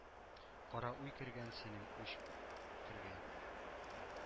Кара уй кергән синең, үч кергән.